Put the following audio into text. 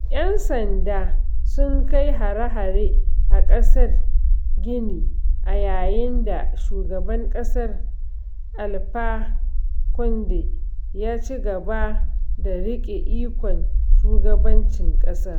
Yan sanda sun kai hare-hare a ƙasar Gini a yayin da Shugaban ƙasa Alpha Conde ya cigaba da riƙe ikon shugabancin ƙasar.